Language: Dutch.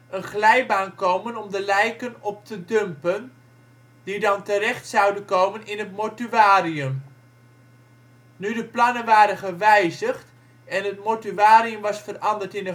een glijbaan komen om de lijken op te dumpen, die dan terecht zouden komen in het mortuarium. Nu de plannen waren gewijzigd en het mortuarium was veranderd in